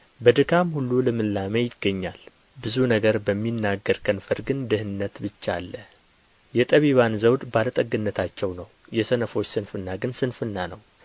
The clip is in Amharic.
በድካም ሁሉ ልምላሜ ይገኛል ብዙ ነገር በሚናገር ከንፈር ግን ድህነት ብቻ አለ የጠቢባን ዘውድ ባለጠግነታቸው ነው የሰነፎች ስንፍና ግን ስንፍና ነው